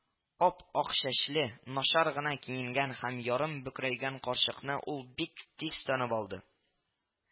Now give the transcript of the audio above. Ап-ак чәчле, начар гына киенгән һәм ярым бөкрәйгән карчыкны ул бик тиз танып алды